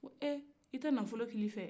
ko eee e tɛ nafolo kili fɛ